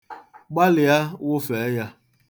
Gbalịa, wụfee ya.